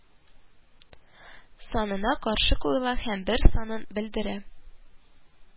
Санына каршы куела һәм «бер» санын белдерә